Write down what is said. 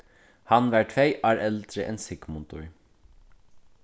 hann var tvey ár eldri enn sigmundur